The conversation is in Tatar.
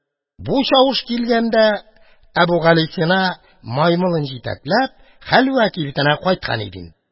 Бу чавыш килгәндә, Әбүгалисина, маймылын җитәкләп, хәлвә кибетенә кайткан иде инде.